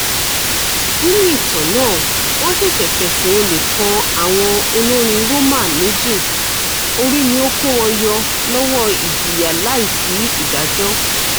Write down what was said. Nínú ìtàn náà, wọ́n ṣèṣì fẹ̀sùn olè kan àwọn olórin Roma méjì, orí ni ó kó wọn yọ lọ́wọ́ ìjìyà láìsí ìdájọ́.